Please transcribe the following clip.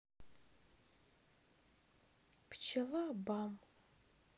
пчела бам